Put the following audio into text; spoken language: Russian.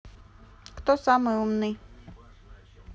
кто самый умный